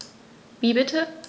Wie bitte?